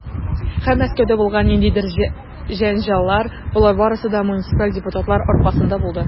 Һәм Мәскәүдә булган ниндидер җәнҗаллар, - болар барысы да муниципаль депутатлар аркасында булды.